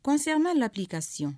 Kɔnsɔn ma laki ka si